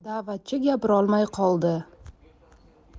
da'vatchi gapirolmay qoldi